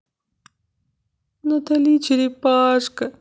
натали черепашка